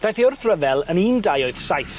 Daeth 'i wrth ryfel yn un dau wyth saith.